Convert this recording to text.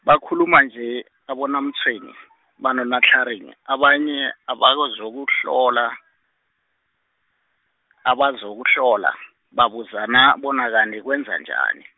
bakhuluma nje, abonaMtshweni, banonaTlharini, abanye, abazokuhlola , abazokuhlola, babuzana bona kanti kwenzanjani.